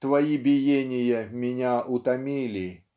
Твои биения меня утомили.